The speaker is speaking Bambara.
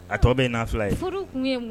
A tɔ bɛ fila ye ye